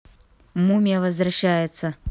мумия возвращается